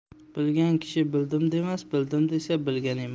bilgan kishi bildim demas bildim desa bilgan emas